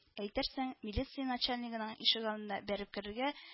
Әйтерсең, милиция начальнигының ишегалдына бәреп керергә